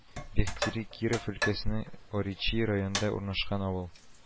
Бехтери Киров өлкәсенең Оричи районында урнашкан авыл